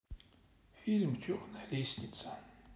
фильм черная лестница